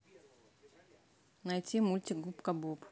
найти мультик губка боб